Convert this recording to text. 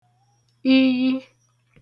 iyi